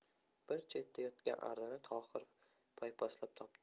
bir chetda yotgan arrani tohir paypaslab topdi